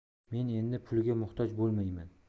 men endi pulga muhtoj bo'lmayman